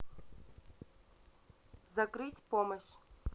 закрыть помощь